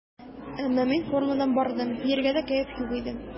Әмма мин формадан бардым, биергә дә кәеф юк иде.